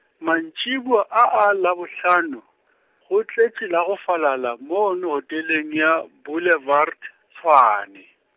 mantšiboa a a Labohlano, go tletše la go falala mono hoteleng ya Boulevard, Tshwane.